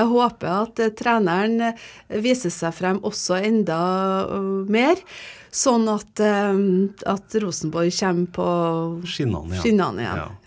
jeg håper at treneren viser seg frem også enda mer sånn at at Rosenborg kommer på skinnene igjen.